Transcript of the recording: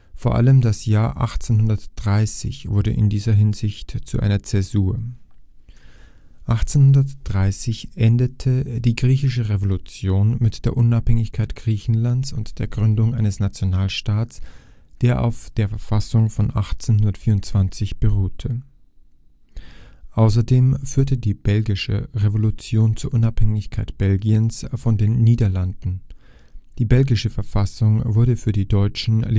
Vor allem das Jahr 1830 wurde in dieser Hinsicht zu einer Zäsur: 1830 endete die griechische Revolution mit der Unabhängigkeit Griechenlands und der Gründung eines Nationalstaates, der auf der Verfassung von 1824 beruhte. Außerdem führte die belgische Revolution zur Unabhängigkeit Belgiens von den Niederlanden. Die belgische Verfassung wurde für die deutschen